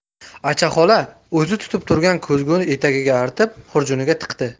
acha xola o'zi tutib turgan ko'zguni etagiga artib xurjuniga tiqdi